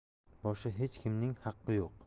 boshqa hech kimning haqqi yo'q